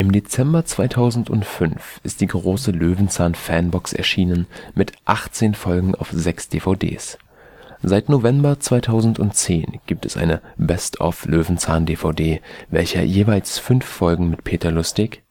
Dezember 2005 ist die große Löwenzahn Fan Box erschienen, mit 18 verschiedenen Folgen auf 6 DVDs. Seit November 2010 gibt es eine Best of Löwenzahn-DVD, welche jeweils 5 Folgen mit Peter Lustig